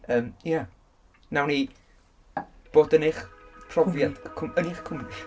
Yym, ia. Wnawn ni bod yn eich profiad... Cwmni... yn eich cwmni.